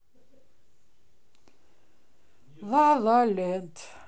ла ла ленд